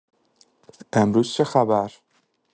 امروز چه خبر؟